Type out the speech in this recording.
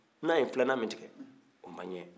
n na ye filanan min tigɛ o ma ɲɛ